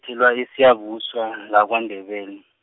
eSiyabuswa, lakwaNdebele.